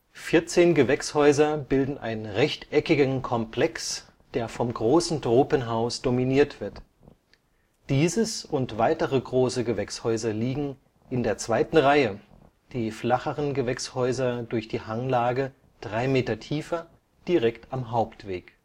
14 Gewächshäuser bilden einen rechteckigen Komplex, der vom Großen Tropenhaus dominiert wird. Dieses und weitere große Gewächshäuser liegen „ in der zweiten Reihe “, die flacheren Gewächshäuser durch die Hanglage drei Meter tiefer, direkt am Hauptweg